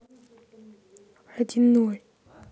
один ноль